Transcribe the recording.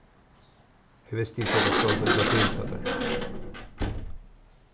eg visti ikki at tað stóð so illa til hjá tær